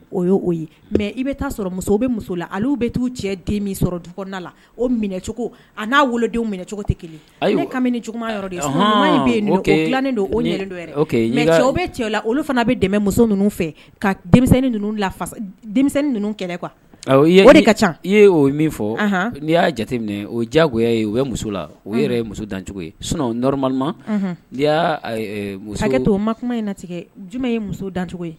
O ye o ye mɛ i bɛ taa sɔrɔ musow bɛ muso la olu bɛ t'u cɛ den min sɔrɔ du la o minɛcogo a n'a wolodenw minɛcogo tɛ kelen dila don bɛ cɛ la olu fana bɛ dɛ muso ninnu fɛ ka denmisɛnnin denmisɛnnin ninnu kɛlɛ kuwa o de ka ca i'o min fɔ n'i y'a jateminɛ o diyagoya u muso la o muso dancogo ye sun n'a mu to o ma kuma in natigɛ juma ye muso dancogo ye